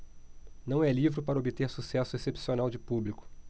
não é livro para obter sucesso excepcional de público